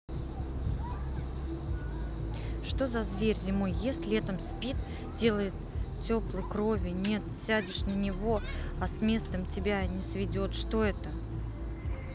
что за зверь зимой ест летом спит делает теплой крови нет сядешь на него а с местом тебя не сведет что это